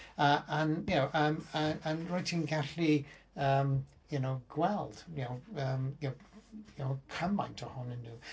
A- and y'know yym yn... yym rwyt ti'n gallu yym gweld y'know cymaint ohonon nhw.